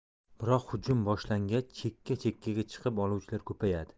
biroq hujum boshlangach chekka chekkaga chiqib oluvchilar ko'payadi